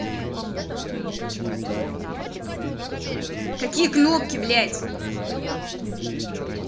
какие кнопки блять